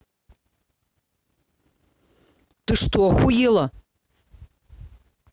ты что охуела